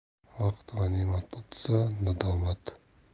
vaqt g'animat o'tsa nadomat